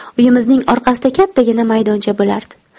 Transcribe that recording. uyimizning orqasida kattagina maydoncha bo'lardi